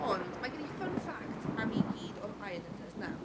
Ond mae gen i fun fact am i gyd o'r islanders nawr.